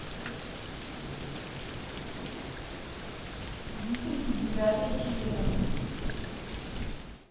викинги девятая серия